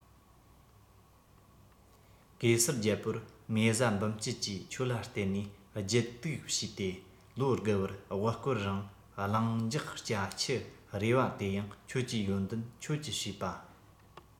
གེ སར རྒྱལ པོར མེ བཟའ འབུམ སྐྱིད ཀྱིས ཁྱོད ལ བརྟེན ནས བརྗེད དུག ཞུས ཏེ ལོ དགུ བར དབུ བསྐོར རིང གླིང འཇག སྐྱ ཕྱུ རེ བ དེ ཡང ཁྱོད ཀྱི ཡོན ཏན ཁྱོད ཀྱི བྱས པ